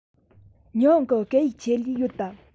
ཉི ཧོང གི སྐད ཡིག ཆེད ལས ཡོད དམ